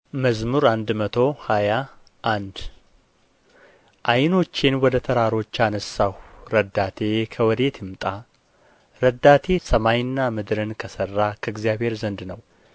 መዝሙር መቶ ሃያ አንድ ዓይኖቼ ወደ ተራሮች አነሣሁ ረዳቴ ከወዴት ይምጣ ረዳቴ ሰማይና ምድርን ከሠራ ከእግዚአብሔር ዘንድ ነው